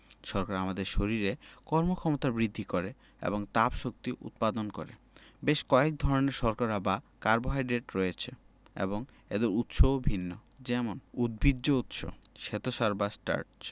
শর্করা আমাদের শরীরে কর্মক্ষমতা বৃদ্ধি করে এবং তাপশক্তি উৎপাদন করে বেশ কয়েক ধরনের শর্করা বা কার্বোহাইড্রেট রয়েছে এবং এদের উৎসও ভিন্ন যেমন উদ্ভিজ্জ উৎস শ্বেতসার বা স্টার্চ